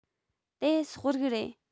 དེ སོག རིགས རེད